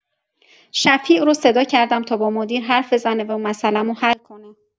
شفیع رو صدا کردم تا با مدیر حرف بزنه و مسئله‌مو حل کنه.